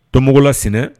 Tomɔgɔla Sinɛ